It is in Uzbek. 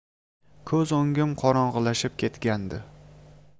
ko'z o'ngim qorong'ilashib ketgandi